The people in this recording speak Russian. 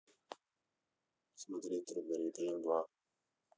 смотреть трудный ребенок два